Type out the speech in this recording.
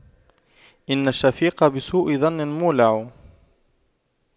إن الشفيق بسوء ظن مولع